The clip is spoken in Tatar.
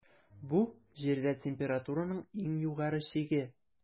Бу - Җирдә температураның иң югары чиге.